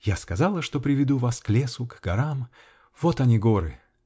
-- Я сказала, что приведу вас к лесу, к горам. Вот они, горы!